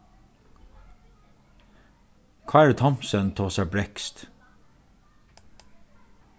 kári thomsen tosar bretskt